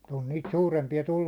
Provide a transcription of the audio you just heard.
on niitä suurempia tullut